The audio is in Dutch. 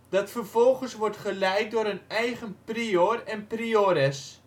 dat vervolgens wordt geleid door een eigen prior en priores